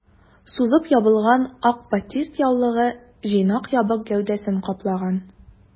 Сузып ябылган ак батист яулыгы җыйнак ябык гәүдәсен каплаган.